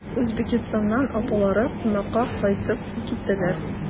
Үзбәкстаннан апалары кунакка кайтып киттеләр.